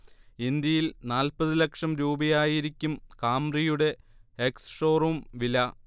ഇന്ത്യയിൽ നാൽപതു ലക്ഷം രൂപയായിരിക്കും കാംറിയുടെ എക്സ്ഷോറും വില